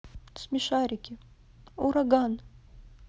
смешарики ураган